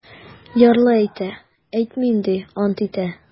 Ярлы әйтә: - әйтмим, - ди, ант итә.